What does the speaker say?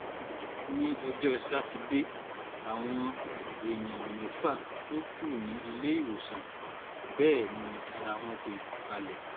Ní ọjọ́ Satidé, àwọn èèyàn mẹ́fà tó kù ní ilé-ìwòsàn. Bẹ́ẹ̀ ni ara wọn tí n balẹ̀.